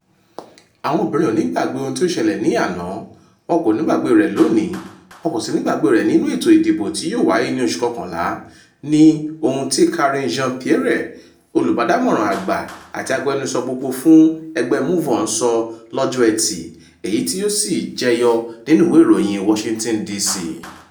"“Àwọn obìnrin ò ní gbàgbé ohun tí ó ṣẹlẹ̀ ní àná, wọn kò ní gbàgbé rẹ̀ lónìí, wọn kò sì ní gbàgbé rẹ̀ nínú ètò ìdìbò tí yóò wáyé ní oṣù kọọkànlá” ni ohun tí Karine Jean-Pierre, olùbádámọ̀ràn àgbà àti agbẹnusọ gbogbo fún ẹgbẹ́ MoveOn sọ lọ́jọ Ẹtì, èyí tí ó sì jẹyọ nínú ìwé ìròyìn Washington, D.C.